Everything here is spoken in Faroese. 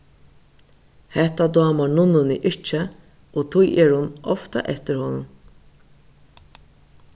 hetta dámar nunnuni ikki og tí er hon ofta eftir honum